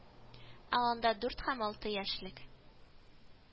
Ә анда дүрт һәм алты яшьлек